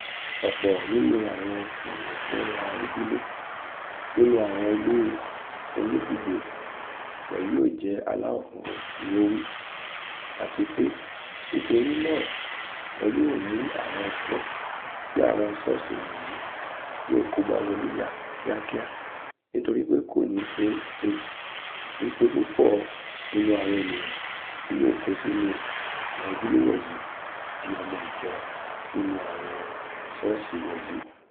"Ọpọ nínú awọn eniyan ti o nra ojule nínú awọn ile onibugbe wọnyi yoo jẹ alawọ funfun," ni o wi, "atipe nitorinaa wọn yoo mu awọn ọjọ ti awọn sọọsi wọnyi yoo kogba wọle ya kiakia nitoripe koni ṣee ṣe wipe pupọ nínú awọn eniyan ti yoo ko sinu awọn ojule wọnyi di ọmo ijọ nínú awọn sọọsi wọnyi."